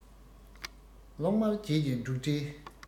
གློག དམར རྗེས ཀྱི འབྲུག སྒྲས